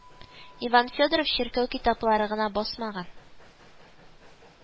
Иван Федоров чиркәү китаплары гына басмаган